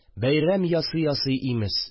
Бәйрәм ясый-ясый имез